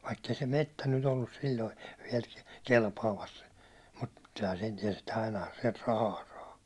vaikka ei se metsä nyt ollut silloin vielä kelpaamassa mutta kyllähän sen tiesi että ainahan sieltä rahaa saa